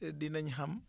dinañ xam